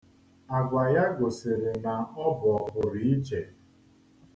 Àgwà ya gosiri na ọ bụ ọpụrụiche.